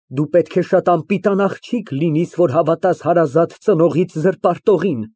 Դու պետք է շատ անպիտան աղջիկ լինես, որ հավատաս հարազատ ծնողիդ զրպարտողին։